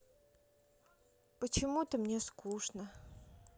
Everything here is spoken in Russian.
почему то мне скучно